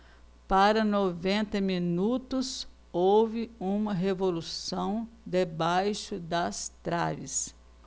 para noventa minutos houve uma revolução debaixo das traves